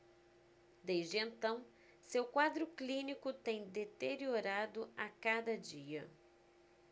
desde então seu quadro clínico tem deteriorado a cada dia